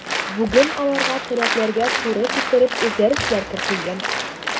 Бүген аларга таләпләргә туры китереп үзгәрешләр кертелгән.